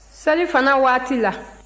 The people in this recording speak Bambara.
selifana waati la